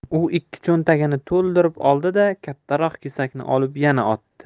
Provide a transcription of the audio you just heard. u ikki cho'ntagini to'ldirib oldi da kattaroq kesakni olib yana otdi